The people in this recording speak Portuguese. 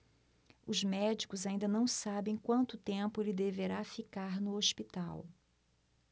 os médicos ainda não sabem quanto tempo ele deverá ficar no hospital